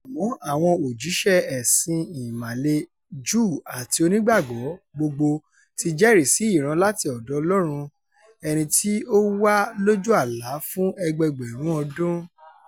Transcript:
Àmọ́ àwọn òjíṣẹ́ ẹ̀sìn Ìmàle, Júù àti Onígbàgbọ́ gbogboó ti jẹ́rìí sí ìran láti ọ̀dọ̀ Ọlọ́run ent tí ó wá lójú àlá fún ẹgbẹẹgbẹ̀rún ọdún.